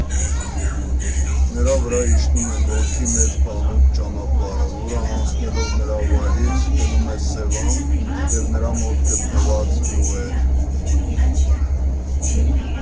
Նրա վրա իջնում է Նորքի մեծ բանուկ ճանապարհը, որ անցնելով նրա վրայից՝ գնում է Սևան և նրա մոտ գտնված գյուղեր։